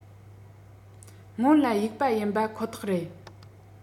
སྔོན ལ གཡུག པ ཡིན པ ཁོ ཐག རེད